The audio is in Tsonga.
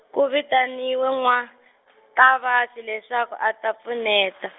ku vitaniwa N'wa-Ntavasi leswaku a ta pfuneta.